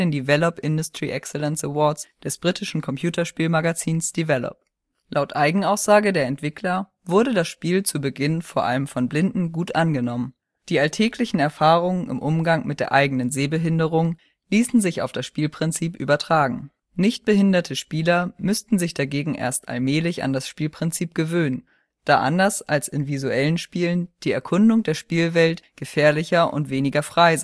Develop Industry Excellence Awards des britischen Computerspielmagazins Develop im selben Jahr erhielt es den Preis für Audioerrungenschaften. Laut Eigenaussage der Entwickler wurde das Spiel zu Beginn vor allem von Blinden gut angenommen. Die alltäglichen Erfahrungen im Umgang mit der eigenen Sehbehinderung ließen sich auf das Spielprinzip übertragen. Nichtbehinderte Spieler müssten sich dagegen erst allmählich an das Spielprinzip gewöhnen, da anders als in visuellen Spielen die Erkundung der Spielwelt gefährlicher und weniger frei